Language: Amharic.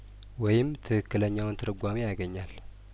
ወይም ትክክለኛውን ትርጓሜ ያገኛል